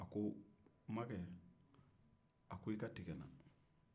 a ko n' makɛ a ko i ka tigɛ n'na